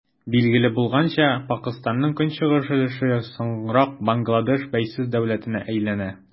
Билгеле булганча, Пакыстанның көнчыгыш өлеше соңрак Бангладеш бәйсез дәүләтенә әйләнә.